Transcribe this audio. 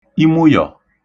imụyọ̀